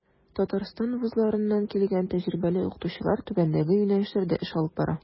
Татарстан вузларыннан килгән тәҗрибәле укытучылар түбәндәге юнәлешләрдә эш алып бара.